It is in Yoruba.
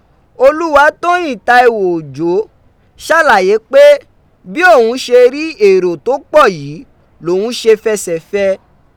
Olúwatóyìn Táíwò Òjó ṣàlàyé pé bín òún ṣe rí èrò tó pọ̀ yìí lòún ṣe fẹsẹ̀fẹ.